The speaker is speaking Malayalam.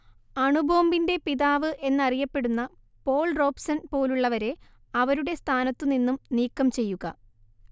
അണുബോംബിന്റെ പിതാവ് എന്നറിയപ്പെടുന്ന പോൾ റോബ്സൺ പോലുള്ളവരെ അവരുടെ സ്ഥാനത്തു നിന്നും നീക്കംചെയ്യുക